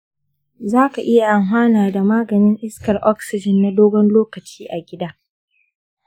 za ka iya amfana da maganin iskar oxygen na dogon lokaci a gida.